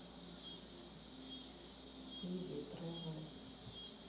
изи тревел